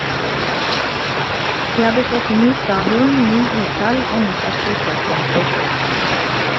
De hadde fått ny stadion, ny ishall og nytt aktivitets-senter.